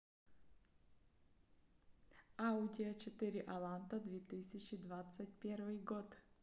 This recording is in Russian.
audi a четыре аланта две тысячи двадцать первый год